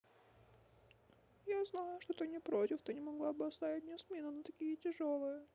я знаю что ты не против ты не могла бы оставить мне смены не такие тяжелые